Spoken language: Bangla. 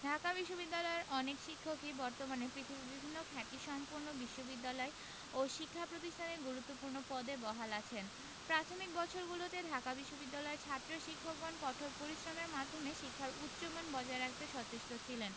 ঢাকা বিশ্ববিদ্যালয়ের অনেক শিক্ষকই বর্তমানে পৃথিবীর বিভিন্ন খ্যাতিসম্পন্ন বিশ্ববিদ্যালয় ও শিক্ষা প্রতিষ্ঠানে গুরুত্বপূর্ণ পদে বহাল আছেন প্রাথমিক বছরগুলিতে ঢাকা বিশ্ববিদ্যালয়ের ছাত্র শিক্ষকগণ কঠোর পরিশ্রমের মাধ্যমে শিক্ষার উচ্চমান বজায় রাখতে সচেষ্ট ছিলেন